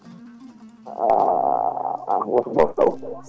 *